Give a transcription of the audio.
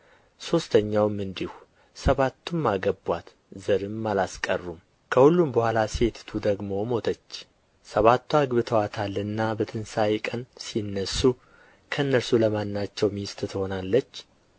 ሦስተኛውም እንዲሁ ሰባቱም አገቡአት ዘርም አላስቀሩም ከሁሉም በኋላ ሴቲቱ ደግሞ ሞተች ሰባቱ አግብተዋታልና በትንሣኤ ቀን ሲነሡ ከእነርሱ ለማናቸው ሚስት ትሆናለች